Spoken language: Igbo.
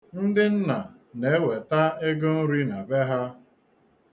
Ndị nna na-eweta ego nri na be ha.